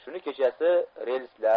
shuni kechasi relslar